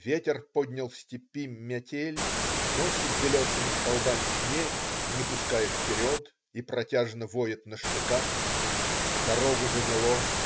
Ветер поднял в степи метель, носит белыми столбами снег, не пускает вперед и протяжно воет на штыках. Дорогу замело.